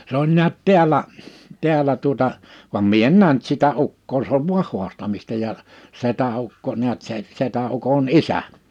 se oli näet täällä täällä tuota vaan minä en nähnyt sitä Ukkoa se on vain haastamista ja setäukko näet se setäukon isä